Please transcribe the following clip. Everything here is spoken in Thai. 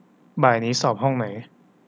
บ่ายนี้สอบห้องไหน